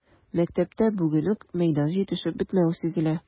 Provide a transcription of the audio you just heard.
Мәктәптә бүген үк мәйдан җитешеп бетмәве сизелә.